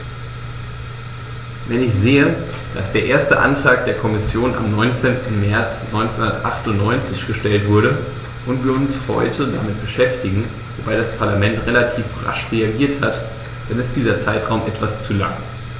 Wenn ich sehe, dass der erste Antrag der Kommission am 19. März 1998 gestellt wurde und wir uns heute damit beschäftigen - wobei das Parlament relativ rasch reagiert hat -, dann ist dieser Zeitraum etwas zu lang.